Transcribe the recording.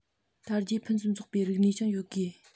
དར རྒྱས ཕུན སུམ ཚོགས པའི རིག གནས ཀྱང ཡོད དགོས